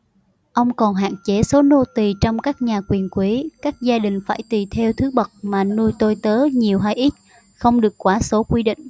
ông còn hạn chế số nô tì trong các nhà quyền quý các gia đình phải tùy theo thứ bậc mà nuôi tôi tớ nhiều hay ít không được quá số quy định